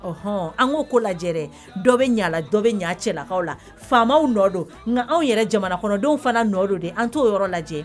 Ɔ hɔn an ko ko lajɛ dɛ, dɔ bɛ Ɲa la dɔ bɛ Ɲa cɛlakaw la. Faamaw nɔ don nka anw yɛrɛ jamana kɔnɔdenw fana nɔ don de dɛ, an t'o yɔrɔ lajɛ.